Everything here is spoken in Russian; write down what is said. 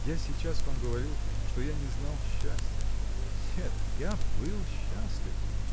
Я сейчас вам говорил, что я не знал счастья. нет! я был счастлив!